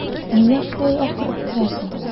Нигә шулай акырып керәсең?